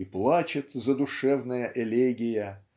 и плачет задушевная элегия